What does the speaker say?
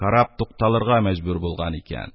Караб тукталырга мәҗбүр булган икән.